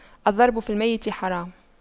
الضرب في الميت حرام